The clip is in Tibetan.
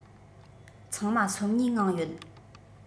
ཚང མ སོམ ཉིའི ངང ཡོད